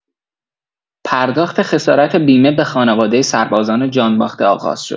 پرداخت خسارت بیمه به خانواده سربازان جان‌باخته آغاز شد.